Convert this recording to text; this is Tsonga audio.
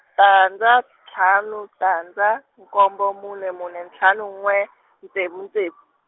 tandza ntlhanu tandza nkombo mune mune ntlhanu n'we, ntsevu ntsevu.